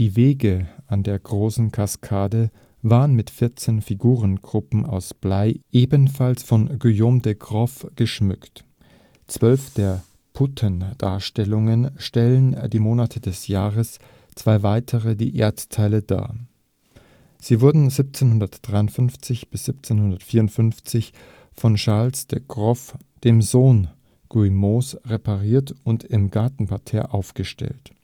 Wege an der Großen Kaskade waren mit vierzehn Figurengruppen aus Blei ebenfalls von Guillaume de Grof geschmückt; zwölf der Puttendarstellungen stellten die Monate des Jahres, zwei weitere die Erdteile dar. Sie wurden 1753 – 54 von Charles de Groff, dem Sohn Guillaumes, repariert und im Gartenparterre aufgestellt